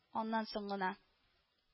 Аннан соң гына